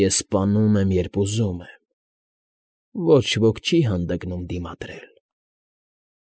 Ես սպասում եմ, երբ ուզում եմ. ոչ ոք չի հանդգնում դիմադրել։